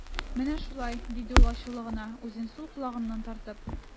Менә шулай, - диде ул ачулы гына, үзен сул колагыннан тартып.